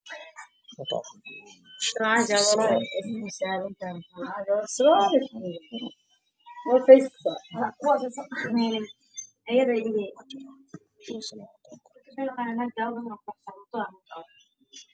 Waa surwaal midabkiisu yahay huruud